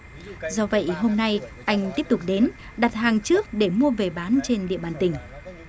do vậy hôm nay anh tiếp tục đến đặt hàng trước để mua về bán trên địa bàn tỉnh